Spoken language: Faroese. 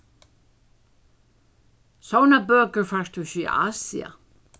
sovorðnar bøkur fært tú ikki í asia